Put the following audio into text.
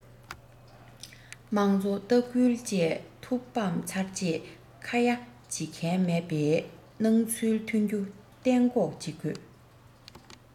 དམངས གཙོ ལྟ སྐུལ བཅས ཐུབ བདམས ཚར རྗེས ཁ ཡ བྱེད མཁན མེད པའི སྣང ཚུལ ཐོན རྒྱུ གཏན འགོག བྱེད དགོས